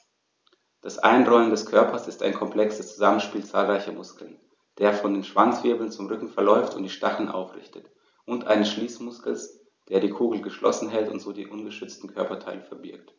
Das Einrollen des Körpers ist ein komplexes Zusammenspiel zahlreicher Muskeln, der von den Schwanzwirbeln zum Rücken verläuft und die Stacheln aufrichtet, und eines Schließmuskels, der die Kugel geschlossen hält und so die ungeschützten Körperteile verbirgt.